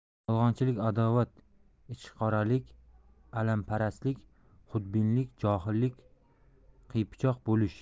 yolg'onchilik adovat ichqoralik amalparastlik xudbinlik johillik qiypichoq bo'lish